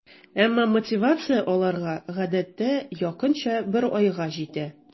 Әби начар ишетә, шуңа телевизор карамый.